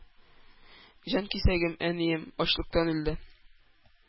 Җанкисәгем — әнием — ачлыктан үлде.